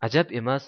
ajab emas